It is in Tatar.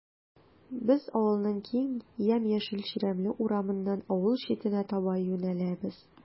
Без авылның киң, ямь-яшел чирәмле урамыннан авыл читенә таба юнәләбез.